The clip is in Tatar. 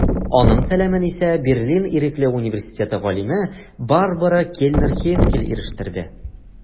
Аның сәламен исә Берлин Ирекле университеты галиме Барбара Кельнер-Хейнкель ирештерде.